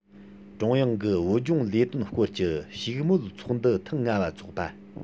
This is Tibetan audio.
ཀྲུང དབྱང གི བོད ལྗོངས ལས དོན སྐོར གྱི བཞུགས མོལ ཚོགས འདུ ཐེངས ལྔ བ ཚོགས པ